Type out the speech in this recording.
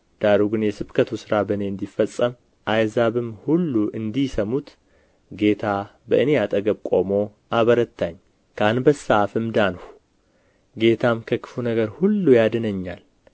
ዳሩ ግን የስብከቱ ሥራ በእኔ እንዲፈጸም አሕዛብም ሁሉ እንዲሰሙት ጌታ በእኔ አጠገብ ቆሞ አበረታኝ ከአንበሳ አፍም ዳንሁ ጌታም ከክፉ ነገር ሁሉ ያድነኛል